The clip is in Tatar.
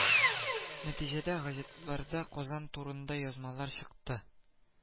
Нәтиҗәдә газеталарда Казан турында язмалар чыкты